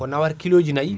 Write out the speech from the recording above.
ko nawata kiloji nayyi